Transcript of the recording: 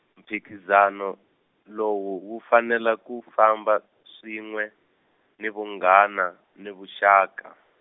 mphikizano lowu wu fanela ku famba swin'we, ni vunghana ni vuxaka.